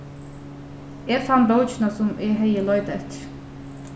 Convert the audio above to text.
eg fann bókina sum eg hevði leitað eftir